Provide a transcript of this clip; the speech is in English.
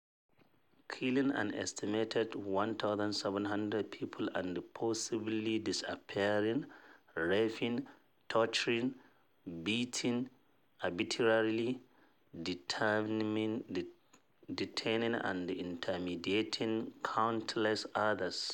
Killing an estimated 1,700 people and forcibly disappearing, raping, torturing, beating, arbitrarily detaining, and intimidating countless others.